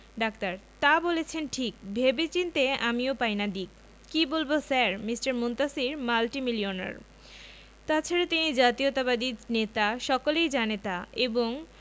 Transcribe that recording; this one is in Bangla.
ডাক্তার তা বলেছেন ঠিক ভেবে চিন্তে আমিও পাই না দিক কি বলব স্যার মিঃ মুনতাসীর মাল্টিমিলিওনার তাছাড়া তিনি জাতীয়তাবাদী নেতা সকলেই জানে তা এবং